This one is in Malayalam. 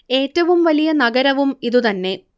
ഏറ്റവും വലിയ നഗരവും ഇതു തന്നെ